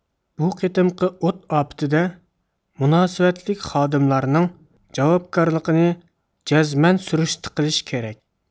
بۇ قېتىمقى ئوت ئاپىتىدە مۇناسىۋەتلىك خادىملارنىڭ جاۋابكارلىقىنى جەزمەن سۈرۈشتە قىلىش كېرەك